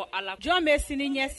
Ala jɔn bɛ seli ɲɛ